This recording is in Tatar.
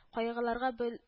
Кайгыларга бөл